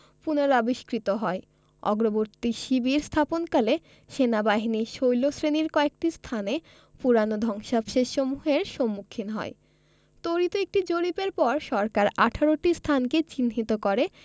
পুনরাবিষ্কৃত হয় অগ্রবর্তী শিবির স্থাপনকালে সেনাবাহিনী শৈলশ্রেণির কয়েকটি স্থানে পুরানো ধ্বংসাবশেষসমূহের সম্মুখীন হয় তরিত একটি জরিপের পর সরকার ১৮টি স্থানকে চিহ্নিত করে